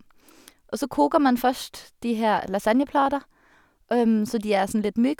Og så koker man først de her lasagneplater så de er sånn litt myk.